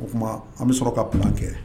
O tuma an bɛ sɔrɔ ka kuma kɛ.